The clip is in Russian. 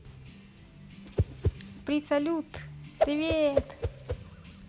при салют привет